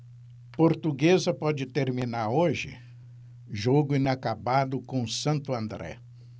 portuguesa pode terminar hoje jogo inacabado com o santo andré